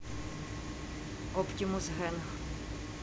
оптимус гэнг